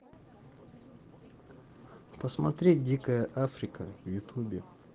посмотреть дикая африка в ютубе